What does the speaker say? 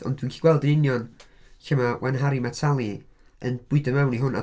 Ond dwi'n gallu gweld yn union lle mae When Harry Met Sally yn bwydo mewn i hwn.